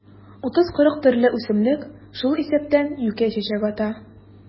30-40 төрле үсемлек, шул исәптән юкә чәчәк ата.